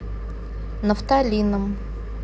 нафталином